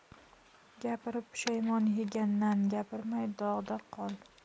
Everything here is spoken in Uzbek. gapirib pushaymon yegandan gapirmay dog'da qol